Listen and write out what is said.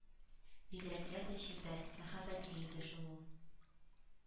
Бигрәкләр дә чибәр, мәхәббәтле иде шул ул!